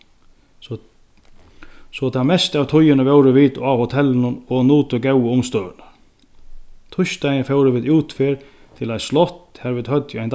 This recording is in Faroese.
so so tað mesta av tíðini vóru vit á hotellinum og nutu góðu umstøðurnar týsdagin fóru vit útferð til eitt slott har vit høvdu ein